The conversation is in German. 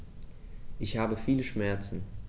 Ich habe viele Schmerzen.